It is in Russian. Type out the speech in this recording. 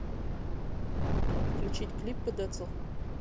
включить клипы децл